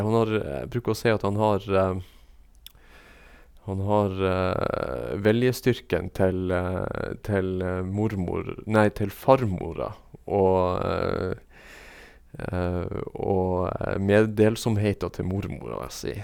han har Jeg bruker å si at han har han har viljestyrken til til mormor nei til farmora, og og meddelsomheta til mormora si.